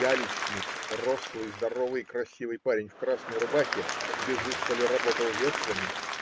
Яличник, рослый, здоровый и красивый парень в красной рубахе, без устали работал веслами